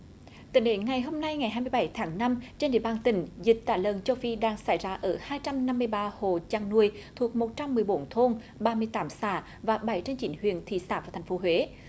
tính đến ngày hôm nay ngày hai mươi bảy tháng năm trên địa bàn tỉnh dịch tả lợn châu phi đang xảy ra ở hai trăm năm mươi ba hộ chăn nuôi thuộc một trăm mười bốn thôn ba mươi tám xã và bảy trên chín huyện thị xã và thành phố huế